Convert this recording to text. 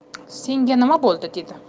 senga nima buldi dedi